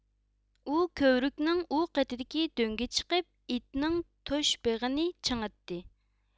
ئۇ كۆۋرۈكنىڭ ئۇ قېتىدىكى دۆڭگە چىقىپ ئېتىنىڭ تۆشبېغىنى چىڭىتتى